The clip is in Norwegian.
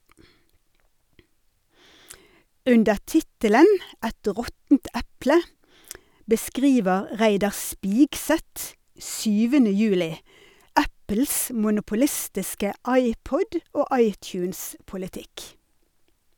Under tittelen "Et råttent eple" beskriver Reidar Spigseth 7. juli Apples monopolistiske iPod- og iTunes- politikk.